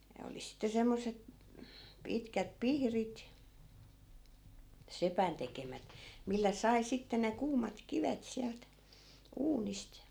ne oli sitten semmoiset pitkät pihdit sepän tekemät millä sai sitten ne kuumat kivet sieltä uunista